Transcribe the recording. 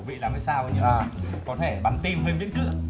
bị làm sao có thể bắn tim hơi miễn cưỡng